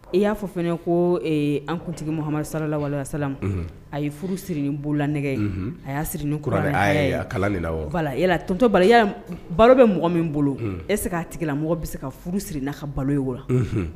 I y'a fɔ fana ko an kuntigihamadu salawalela sala a ye furu siri bolola nɛgɛ a y' siri ni e la tto baliya balo bɛ mɔgɔ min bolo e se k' tigila mɔgɔ bɛ se ka furu siri na ka balo ye la